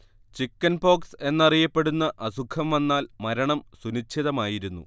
chickenpox എന്നറിയപ്പെടുന്ന അസുഖം വന്നാൽ മരണം സുനിശ്ചിതമായിരുന്നു